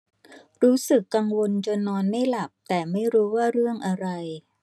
รู้สึกกังวลจนนอนไม่หลับแต่ไม่รู้ว่าเรื่องอะไร